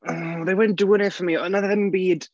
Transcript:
Oh, they weren't doing it for me. Wnaeth 'na ddim byd...